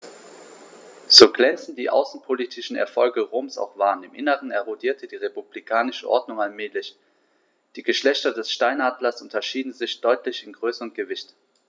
So glänzend die außenpolitischen Erfolge Roms auch waren: Im Inneren erodierte die republikanische Ordnung allmählich. Die Geschlechter des Steinadlers unterscheiden sich deutlich in Größe und Gewicht.